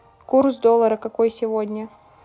курс доллара какой сегодня